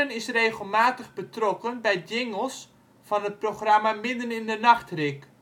is regelmatig betrokken bij jingles van het programma MiddenInDeNachtRick